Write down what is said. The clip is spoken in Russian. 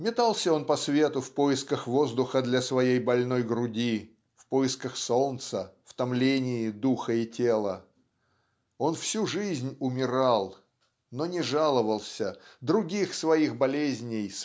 Метался он по свету в поисках воздуха для своей больной груди в поисках солнца в томлении духа и тела. Он всю жизнь умирал. Но не жаловался других своей болезнью